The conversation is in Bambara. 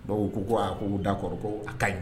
Baw ko ko a ko da kɔrɔ ko a ka ɲi